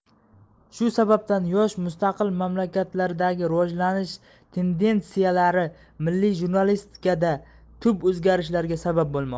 shu sababdan yosh mustaqil mamlakatlardagi rivojlanish tendentsiyalari milliy jurnalistikadagi tub o'zgarishlarga sabab bo'lmoqda